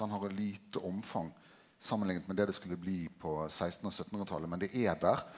den har eit lite omfang samanlikna med det det skulle bli på 16 og syttenhundretalet, men det er der.